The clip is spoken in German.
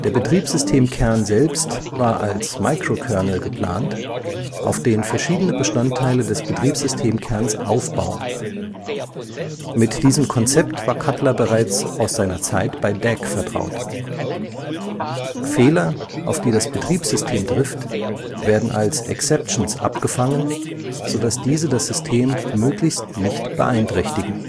Betriebssystemkern selbst war als Microkernel geplant, auf den verschiedene Bestandteile des Betriebssystemkerns aufbauen; mit diesem Konzept war Cutler bereits aus seiner Zeit bei DEC vertraut. Fehler, auf die das Betriebssystem trifft, werden als Exceptions abgefangen, sodass diese das System möglichst nicht beeinträchtigen